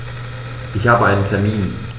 Ich habe einen Termin.